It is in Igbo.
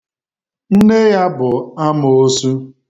Nne ya bụ amoosu.